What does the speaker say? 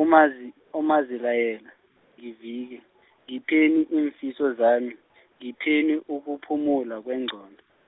umazi- umazilayela, ngivike, ngipheni iimfiso zami, ngipheni ukuphumula kwenqondo.